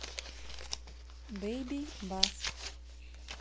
бейби бас